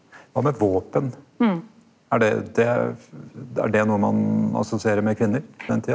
kva med våpen, er det det er det noko ein assosierer med kvinner på den tida?